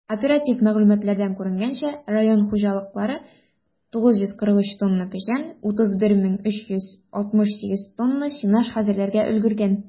Оператив мәгълүматлардан күренгәнчә, район хуҗалыклары 943 тонна печән, 31368 тонна сенаж хәзерләргә өлгергән.